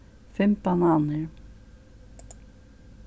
fimm bananir